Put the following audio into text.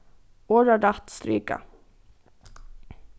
orðarætt strika